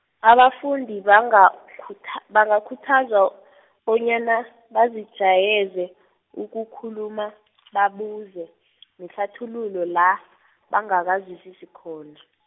abafundi bangakhuthaz- bangakhuthazwa, bonyana bazijayeze, ukukhuluma , babuze, nehlathululo la, bangakazwisisi khona.